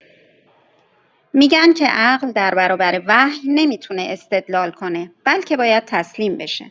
می‌گن که عقل در برابر وحی نمی‌تونه استدلال کنه، بلکه باید تسلیم بشه.